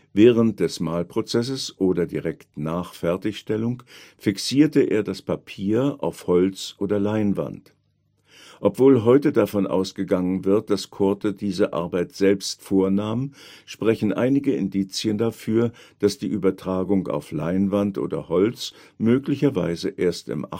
Während des Malprozesses oder direkt nach Fertigstellung fixierte er das Papier auf Holz oder Leinwand. Obwohl heute davon ausgegangen wird, dass Coorte diese Arbeit selbst vornahm, sprechen einige Indizien dafür, dass die Übertragung auf Leinwand oder Holz möglicherweise erst im